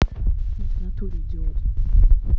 нет в натуре идиот